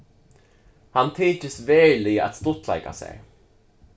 hann tykist veruliga at stuttleika sær